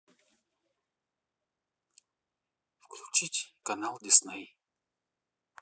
включить канал дисней